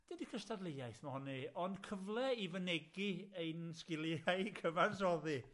dydi cystadleuaeth mo' hynny, ond cyfle i fynegi ein sgiliau cyfansoddi,